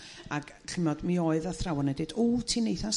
Ag ch'mod mi oedd athrawon yn d'eud o ti'n eitha